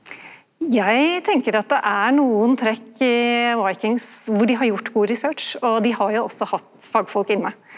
eg tenker at det er nokon trekk i Vikings kor dei har gjort god research og dei har jo også hatt fagfolk inne.